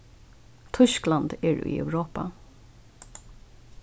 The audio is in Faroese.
týskland er í europa